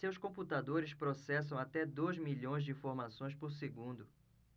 seus computadores processam até dois milhões de informações por segundo